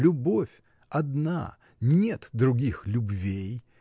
Любовь — одна, нет двух любвей!